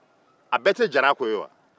a bɛɛ tɛ jara ko ye wa